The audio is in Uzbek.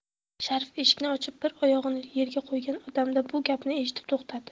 sharif eshikni ochib bir oyog'ini yerga qo'ygan damda bu gapni eshitib to'xtadi